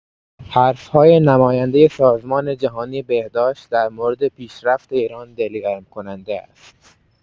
حرف‌های نمایندۀ سازمان جهانی بهداشت در مورد پیشرفت ایران دلگرم‌کننده است.